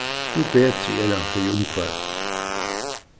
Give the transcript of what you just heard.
jú betri er hann fyri umhvørvið